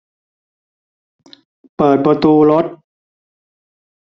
เปิดประตูรถ